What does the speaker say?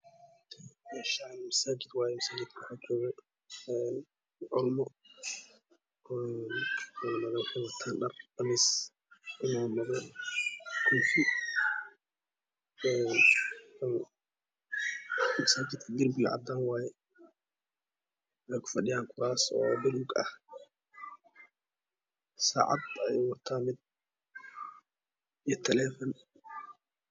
Meshan masajidwaye misajidka waxajoga culumo culamada waxeywatan dhar qamis iyo mobel kofiyad Een masajidka debigiscadanwaye waxeykufadhiyaan kurasbaluugah mid sacad ayuwata iyo talefon